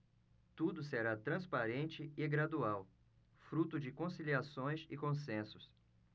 tudo será transparente e gradual fruto de conciliações e consensos